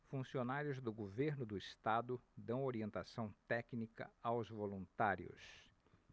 funcionários do governo do estado dão orientação técnica aos voluntários